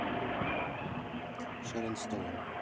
шерон стоун